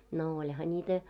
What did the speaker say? no olihan niitä